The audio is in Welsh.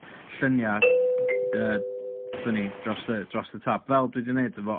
lluniau yy funny drost y drost y top fel dwi di neud efo...